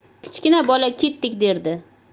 kichkina bola ketdik derdi